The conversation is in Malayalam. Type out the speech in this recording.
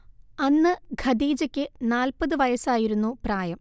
അന്ന് ഖദീജക്ക് നാൽപത് വയസ്സായിരുന്നു പ്രായം